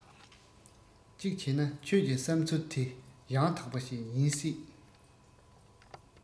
གཅིག བྱས ན ཁྱོད ཀྱི བསམས ཚུལ དེ ཡང དག པ ཞིག ཡིན སྲིད